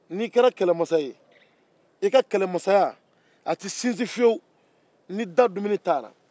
n'i kɛra kɛlɛmasa ye i ka kɛlɛmasaya tɛ sinsin fiyewu ni da dumuni t'a la